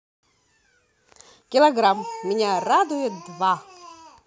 килограмм меня радует два